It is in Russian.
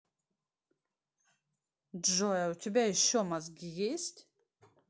джой а у тебя еще мозги есть